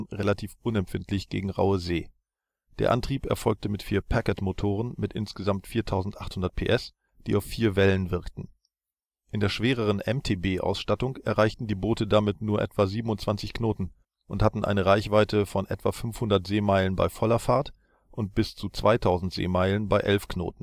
relativ unempfindlich gegen raue See. Der Antrieb erfolgte mit vier Packardmotoren (insges. 4.800 PS), die auf vier Wellen wirkten. In der schwereren MTB-Ausstattung erreichten die Boote damit nur etwa 27 kn und hatten eine Reichweite von etwa 500 sm bei voller Fahrt und bis zu 2000 sm bei 11 kn.